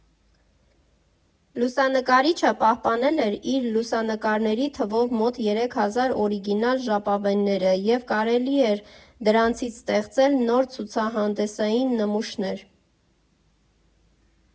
Լուսանկարիչը պահպանել էր իր լուսանկարների թվով մոտ երեք հազար օրիգինալ ժապավենները և կարելի էր դրանցից ստեղծել նոր ցուցահանդեսային նմուշներ։